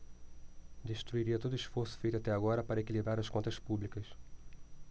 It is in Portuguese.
destruiria todo esforço feito até agora para equilibrar as contas públicas